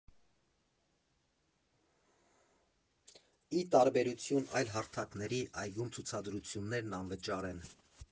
Ի տարբերություն այլ հարթակների, այգում ցուցադրություններն անվճար են։